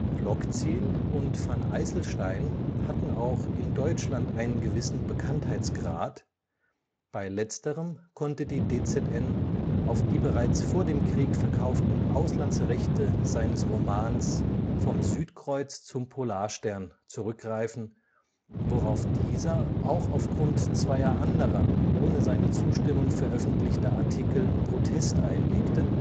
Blokzijl und van Eysselsteijn hatten auch in Deutschland einen gewissen Bekanntheitsgrad, bei letzterem konnte die DZN auf die bereits vor dem Krieg verkauften Auslandsrechte seines Romans „ Vom Südkreuz zum Polarstern “zurückgreifen, worauf dieser auch aufgrund zweier anderer ohne seine Zustimmung veröffentlichter Artikel Protest einlegte